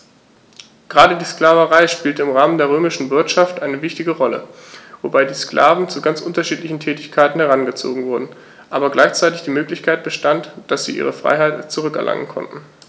Gerade die Sklaverei spielte im Rahmen der römischen Wirtschaft eine wichtige Rolle, wobei die Sklaven zu ganz unterschiedlichen Tätigkeiten herangezogen wurden, aber gleichzeitig die Möglichkeit bestand, dass sie ihre Freiheit zurück erlangen konnten.